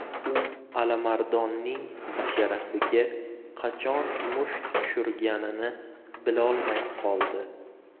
u alimardonning basharasiga qachon musht tushirganini bilolmay qoldi